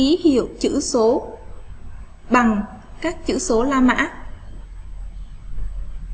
ký hiệu chữ số bằng các chữ số la mã